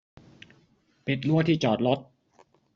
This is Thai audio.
ปิดรั้วที่จอดรถ